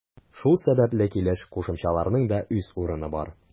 Шул сәбәпле килеш кушымчаларының да үз урыны бар.